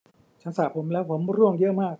ฉันสระผมแล้วผมร่วงเยอะมาก